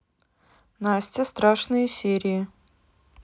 настя страшные серии